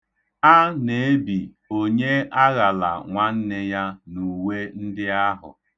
A na-ebi 'Onye Aghala Nwanne Ya" n'uwe ndị ahụ.